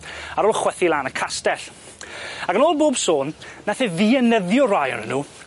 Ar ôl chwythu lan y castell. Ar ôl bob sôn nath e ddienyddio rai onyn nw.